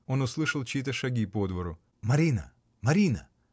Он услышал чьи-то шаги по двору. — Марина, Марина!